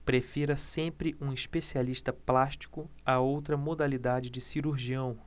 prefira sempre um especialista plástico a outra modalidade de cirurgião